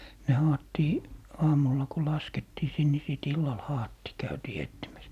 ne haettiin aamulla kun laskettiin sinne niin sitten illalla haettiin käytiin etsimässä